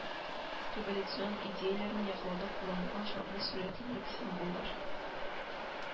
Революцион идеяләрне яклауда кулланылган шартлы сурәтлелек, символлар